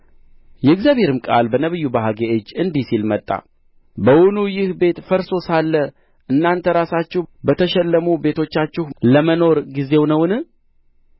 የእግዚአብሔርም ቃል በነቢዩ በሐጌ እጅ እንዲህ ሲል መጣ በውኑ ይህ ቤት ፈርሶ ሳለ እናንተ ራሳችሁ በተሸለሙ ቤቶቻችሁ ለመኖር ጊዜው ነውን